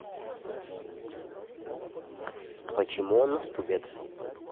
почему он наступит